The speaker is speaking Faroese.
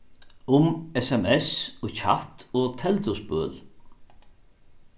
um sms og kjatt og telduspøl